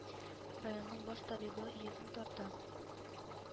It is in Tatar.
Районның баш табибы йөген тарта